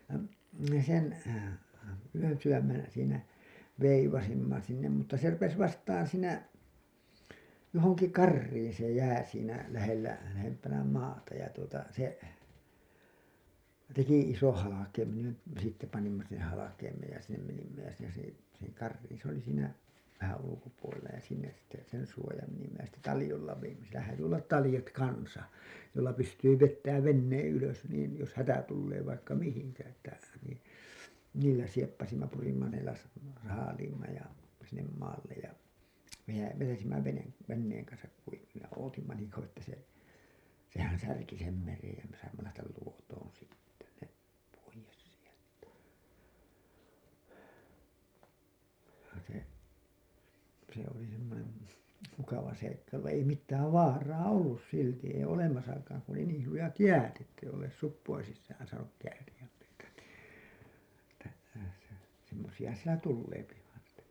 ja me sen yönsydämen siinä veivasimme sinne mutta se rupesi vastaan siinä johonkin kariin se jää siinä lähellä lähempänä maata ja tuota se teki ison halkeimen ja sitten panimme sen halkeimeen ja sinne menimme ja siinä se sinne kariin se oli siinä vähän ulkopuolella ja sinne sitten sen suojaan menimme ja sitten taljoilla vedimme siellä häätyi olla taljat kanssa joilla pystyy vetämään veneen ylös niin jos hätä tulee vaikka mihin että niin niillä sieppasimme purimme ne - saaliimme ja sinne maalle ja - vetäisimme - veneen kanssa kuiville ja odotimme niin kauan että se sehän särki sen meren ja me saimme lähteä Luotoon sitten ne pois sieltä se se oli semmoinen mukava seikkailu vaan ei mitään vaaraa ollut silti ei olemassakaan kun oli niin lujat jäät että ei olleet suppojen sisään saanut kääriä meitä niin että semmoisia sitä tulee vain sitä